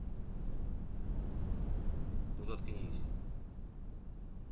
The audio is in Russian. ну заткнись